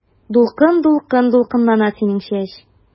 Дулкын-дулкын дулкынлана синең чәч.